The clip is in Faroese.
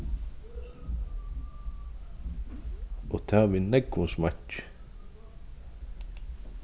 og tað við nógvum smakki